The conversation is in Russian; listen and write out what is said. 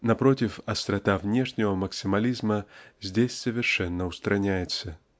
напротив, острота внешнего максимализма здесь совершенно устраняется.